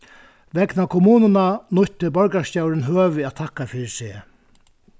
vegna kommununa nýtti borgarstjórin høvi at takka fyri seg